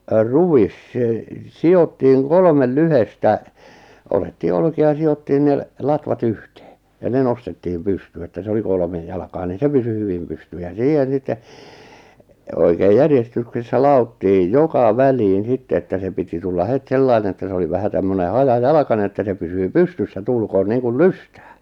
ruis se sidottiin kolme lyhdettä otettiin olkia ja sidottiin ne latvat yhteen ja ne nostettiin pystyyn että se oli kolme jalkaa niin se pysyi hyvin pystyssä ja siihen sitten oikein järjestyksessä ladottiin joka väliin sitten että se piti tulla heti sellainen että se oli vähän tämmöinen hajajalkainen että se pysyy pystyssä tuulkoon niin kuin lystää